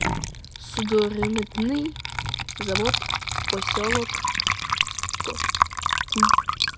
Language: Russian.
судоремонтный завод поселок кокуй